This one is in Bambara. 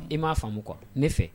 I m'a faamumu kɔ ne fɛ